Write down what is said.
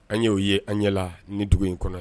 An y ye' ye an ɲɛla ni dugu in kɔnɔ